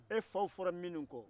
e faw fɔra minnu kɔ